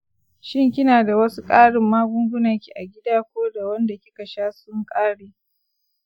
shin kina da wasu karin magungunaki a gida koda wanda kike sha sun kare?